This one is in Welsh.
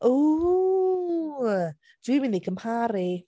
Ww! Dwi'n mynd i gymharu.